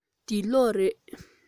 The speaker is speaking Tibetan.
འདི གློག རེད